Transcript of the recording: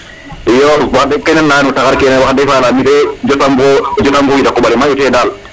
iyo wax deg kene nu leya no taxar ke wax deg fa yala mi de jotam jotam te bo wida koɓale mayu te dal